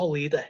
holi 'de